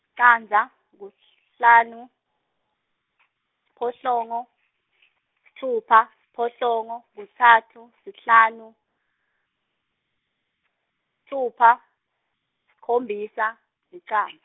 candza, kuhlanu , siphohlongo, sitfupha, siphohlongo, kutsatfu, sihlanu, sitfupha, sikhombisa, licand-.